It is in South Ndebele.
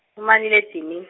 kumaliledinin-.